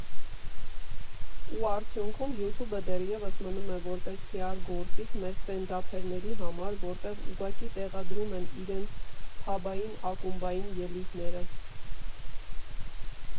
Ու արդյունքում Յութուբը դեռևս մնում է որպես փիար գործիք մեր ստենդափերների համար, որտեղ ուղղակի տեղադրում են իրենց փաբային, ակումբային ելույթները։